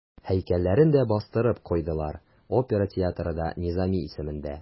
Һәйкәлләрен дә бастырып куйдылар, опера театры да Низами исемендә.